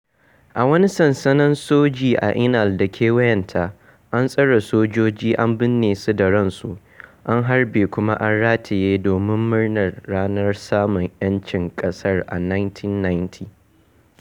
A wani sansanin soji a Inal da kewayenta, an tsare sojoji an binne su da ransu, an harbe kuma an rataye domin murnar ranar samun 'yancin ƙasar a 1990.